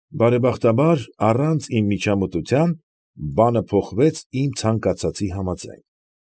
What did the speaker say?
Բարեբախտաբար, առանց իմ միջամտության, բանը փոխվեց իմ ցանկացածի համաձայն։